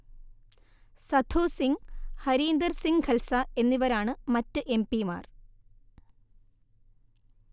സധു സിങ്, ഹരീന്ദർ സിങ് ഖൽസ എന്നിവരാണു മറ്റ് എംപിമാർ